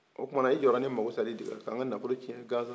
o tuman na e jɔra ne mako sali de kan ka n ka nafolo cɛn gansa